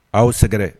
Aw' sɛgɛrɛ